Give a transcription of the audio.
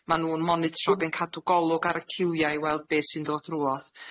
Ma nw'n monitro, ag yn cadw golwg ar y ciwia' i weld be' sy'n dod drwodd.